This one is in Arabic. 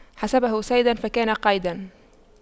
حسبه صيدا فكان قيدا